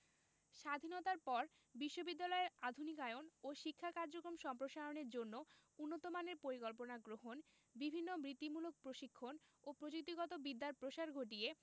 স্বাধীনতার পর বিশ্ববিদ্যালয়ের আধুনিকায়ন ও শিক্ষা কার্যক্রম সম্প্রসারণের জন্য উন্নতমানের পরিকল্পনা গ্রহণ বিভিন্ন বৃত্তিমূলক প্রশিক্ষণ ও প্রযুক্তিগত বিদ্যার প্রসার ঘটিয়ে